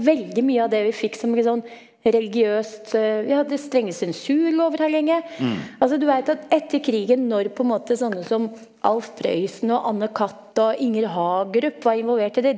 veldig mye av det vi fikk som litt sånn religiøst vi hadde strenge sensurlover her lenge, altså du veit at etter krigen når på en måte sånne som Alf Prøysen og Anne-Cath og Inger Hagerup var involvert i det.